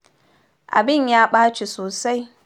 Abin Ya Ɓaci Sosai.